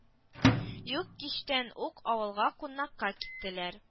Юк кичтән үк авылга кунакка киттеләр